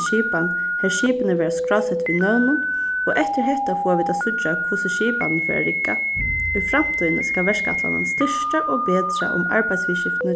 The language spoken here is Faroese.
skipan har skipini verða skrásett við nøvnum og eftir hetta fáa vit at síggja hvussu skipanin fer at rigga í framtíðini skal verkætlanin styrkja og betra um arbeiðsviðurskiftini